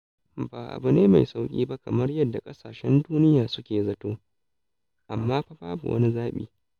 Ba abu ne mai sauƙi ba kamar yadda ƙasashen duniya suke zato, amma fa babu wani zaɓi.